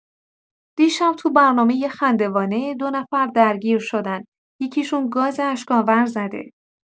دیشب تو برنامه خندوانه دو نفر درگیر‌شدن یکیشون گاز اشک‌آور زده.